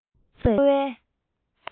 འཕར བའི ཚོར བའི